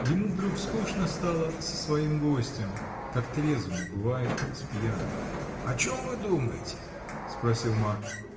Ему вдруг скучно стало с своим гостем, как трезвому бывает с пьяным. — О чем вы думаете? — спросил Марк.